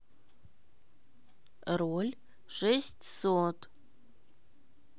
роль шестьсот